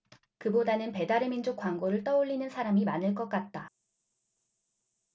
그보다는 배달의민족 광고를 떠올리는 사람이 많을 것 같다